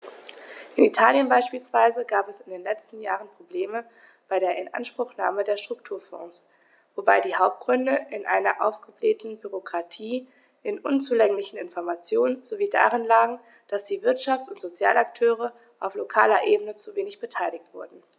In Italien beispielsweise gab es in den letzten Jahren Probleme bei der Inanspruchnahme der Strukturfonds, wobei die Hauptgründe in einer aufgeblähten Bürokratie, in unzulänglichen Informationen sowie darin lagen, dass die Wirtschafts- und Sozialakteure auf lokaler Ebene zu wenig beteiligt wurden.